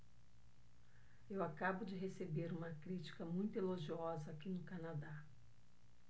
eu acabo de receber uma crítica muito elogiosa aqui no canadá